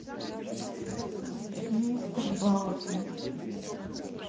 мистер балди